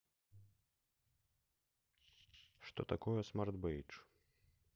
что такое смарт бейдж